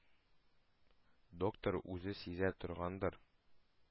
Доктор үзе сизә торгандыр.